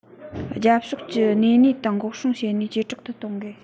རྒྱབ ཕྱོགས ཀྱི གནས ནུས དང འགོག སྲུང བྱེད ནུས ཇེ དྲག ཏུ གཏོང དགོས